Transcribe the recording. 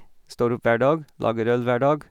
Står opp hver dag, lager øl hver dag.